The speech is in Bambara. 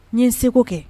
N ye n seko kɛ.